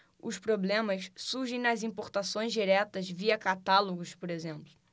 os problemas surgem nas importações diretas via catálogos por exemplo